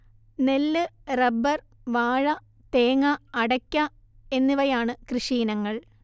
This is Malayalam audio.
നെല്ല്, റബ്ബർ, വാഴ തേങ്ങ, അടയ്ക്ക എന്നിവയാണ് കൃഷിയിനങ്ങൾ